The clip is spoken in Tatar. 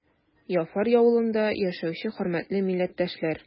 Яфар авылында яшәүче хөрмәтле милләттәшләр!